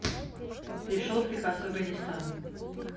пришел приказ афганистан